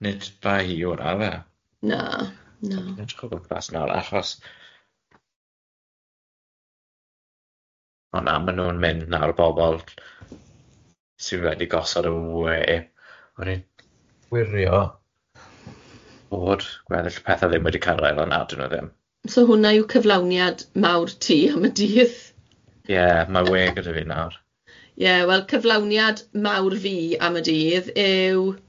Nid bai hi yw hwnne ife... Na na... Wi'n edrych o gwmpas naw achos, o na ma nw'n mynd nawr bobol sydd wedi gosod y wê, o'n i- wirio bod gweddill y pethe ddim wedi cyrraedd ond na d'yn nw ddim. So hwnna yw cyflawniad mawr ti am y dydd? Ie ma' wê gyda fi nawr. Ie wel cyflawniad mawr fi am y dydd yw